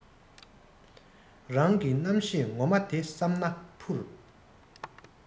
རང གི རྣམ ཤེས ངོ མ དེ བསམ ན འཕུར